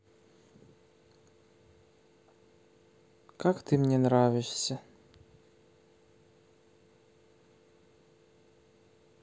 как ты мне нравишься